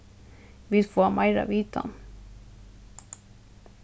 vit fáa meira vitan